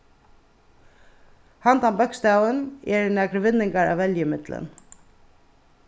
handan bókstavin eru nakrir vinningar at velja ímillum